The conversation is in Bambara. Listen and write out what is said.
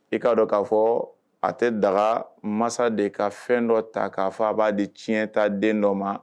I k'a dɔn k'a fɔɔ a tɛ dagaa masa de ka fɛn dɔ ta k'a fɔ a b'a di tiɲɛ ta den dɔ ma